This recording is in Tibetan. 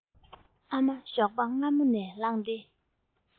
ཨ མ ཞོགས པ སྔ མོ ནས ལངས ཏེ